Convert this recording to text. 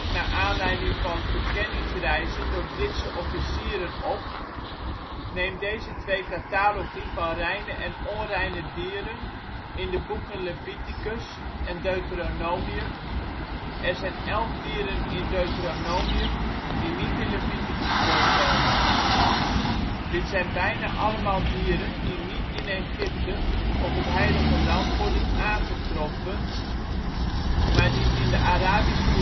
naar aanleiding van verkenningsreizen door Britse officieren op: " Neem deze twee catalogi van reine en onreine dieren in de boeken Leviticus en Deuteronomium. Er zijn 11 dieren in Deuteronomium die niet in Leviticus voorkomen. Dit zijn bijna allemaal dieren die niet in Egypte of het Heilige Land worden aangetroffen, maar die in de Arabische